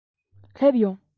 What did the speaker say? སླེབས ཡོང